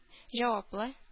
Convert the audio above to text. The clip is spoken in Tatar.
Җаваплы